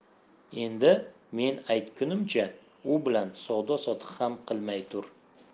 endi men aytgunimcha u bilan savdo sotiq ham qilmay tur